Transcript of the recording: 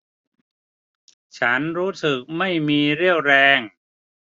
ฉันรู้สึกไม่มีเรี่ยวแรง